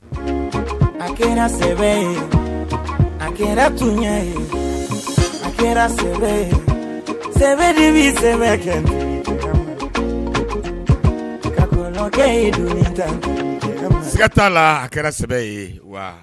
A kɛra sɛ ye a kɛra tun ye a kɛra sɛ sɛ de bɛ sɛ kɛiga la a kɛra sɛbɛ ye wa